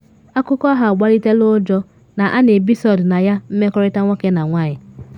Akụkọ ahụ agbalitela ụjọ na a na ebisa ọdịnaya mmekọrịta nwoke na nwanyị